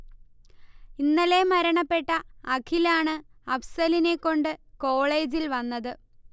ഇന്നലെ മരണപ്പെട്ട അഖിൽ ആണ് അഫ്സലിനെ കൊണ്ട് കോളേജിൽ വന്നത്